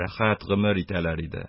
Рәхәт гомер итәләр иде.